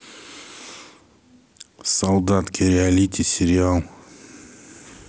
солдатки реалити сериал